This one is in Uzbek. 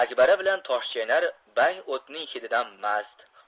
akbara bilan toshchaynar bang o'tning hididan mast